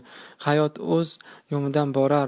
hayot o'z yolidan borar